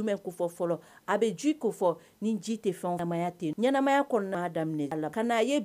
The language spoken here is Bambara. Ya daminɛ